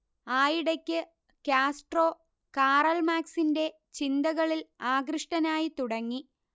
ആയിടക്ക് Castro Karl മാർക്സിന്റെ ചിന്തകളിൽ ആകൃഷ്ടനായിത്തുടങ്ങി